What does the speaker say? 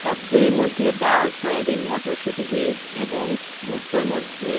খাদ্যের মধ্যে ডাল সয়াবিন মটরশুটি বীজ এবং ভুট্টার মধ্যে